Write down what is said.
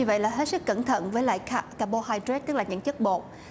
như vậy là hết sức cẩn thận với loại cạc cac bôn hai đờ rêt tức là những chất bột